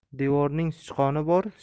devorning sichqoni bor